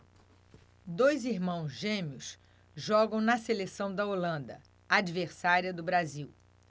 dois irmãos gêmeos jogam na seleção da holanda adversária do brasil